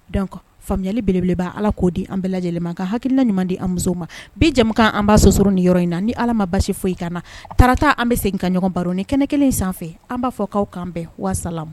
Dɔn faamuyayali bele b' ala k'o di an bɛɛ lajɛlen ka hakilina ɲuman di an ma bijakan an b'a sɔsɔrɔ ni yɔrɔ in na ni ala ma basi foyi i ka na taarata an bɛ segin ka ɲɔgɔn baro ni kɛnɛ kelen in sanfɛ an b'a fɔ' kanan bɛn walasasa